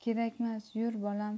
kerakmas yur bolam